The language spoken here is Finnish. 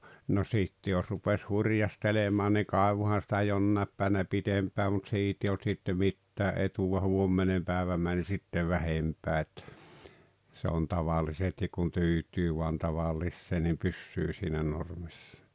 no sitten jos rupesi hurjastelemaan niin kaivoihan sitä jonain päivänä pitempään mutta siitä ei ollut sitten mitään etua huominen päivä meni sitten vähempään että se on tavallisesti kun tyytyy vain tavalliseen niin pysyy siinä normissa